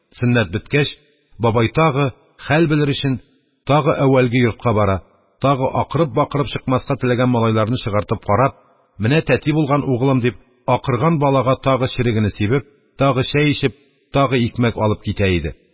Сөннәт беткәч, бабай тагы, хәл белер өчен, тагы әүвәлге йортка бара, тагы акырып-бакырып чыкмаска теләгән малайларны чыгартып карап: «Менә тәти булган, угылым», – дип, акырган балага тагы черегене сибеп, тагы чәй эчеп, тагы икмәк алып китә иде.